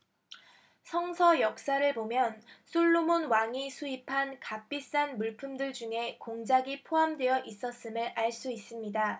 성서 역사를 보면 솔로몬 왕이 수입한 값비싼 물품들 중에 공작이 포함되어 있었음을 알 수 있습니다